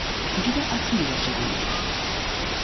juda ahil yashagan ekan